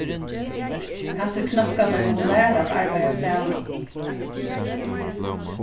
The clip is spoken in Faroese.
hasir knokkarnir mugu læra at arbeiða saman